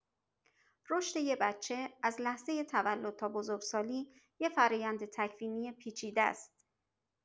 رشد یه بچه از لحظه تولد تا بزرگسالی یه فرآیند تکوینی پیچیده است.